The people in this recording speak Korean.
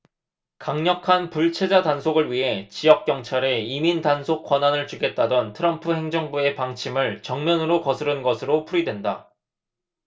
강력한 불체자 단속을 위해 지역 경찰에 이민 단속 권한을 주겠다던 트럼프 행정부의 방침을 정면으로 거스른 것으로 풀이된다